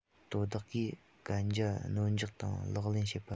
དོ བདག གིས གན རྒྱ སྣོལ འཇོག དང ལག ལེན བྱེད པ